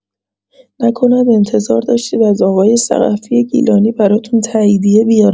نکند انتظار داشتید از آقای ثقفی گیلانی براتون تاییدیه بیارم؟